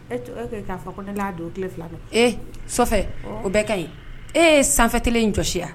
E ne'a don tile fila don ee o bɛɛ ka ɲi e ye sanfɛfɛ kelen in jɔsi wa